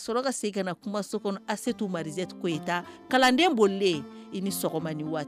Su seginna ka na kumaso kɔnɔ a se' mariz kota kalanden bonlen i ni sɔgɔma ni waati